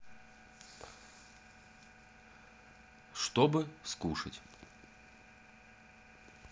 что бы скушать